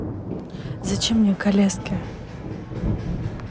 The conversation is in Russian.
зачем мне kolesky